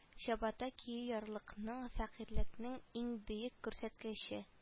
Чабата кию ярлыкның фәкыйрьлекнең иң бөек күрсәткече